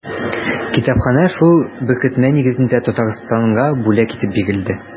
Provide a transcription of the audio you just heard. Китапханә шул беркетмә нигезендә Татарстанга бүләк итеп бирелде.